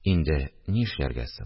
– инде нишләргә соң